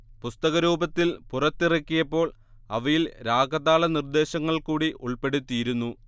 പുസ്തകരൂപത്തിൽ പുറത്തിറക്കിയപ്പോൾ അവയിൽ രാഗതാള നിർദ്ദേശങ്ങൾ കൂടി ഉൾപ്പെടുത്തിയിരുന്നു